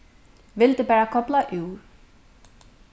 vildi bara kobla úr